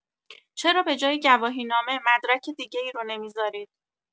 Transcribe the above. چرا به‌جای گواهینامه مدرک دیگه‌ای رو نمی‌زارید.